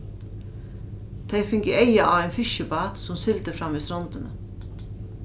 tey fingu eyga á ein fiskibát sum sigldi fram við strondini